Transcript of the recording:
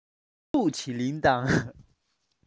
ཏུའུ ཆིང ལིན དང